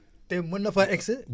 te mën na faa egg si